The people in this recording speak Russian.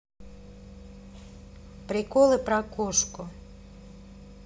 приколы про кошку